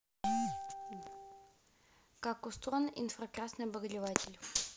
как устроен инфракрасный обогреватель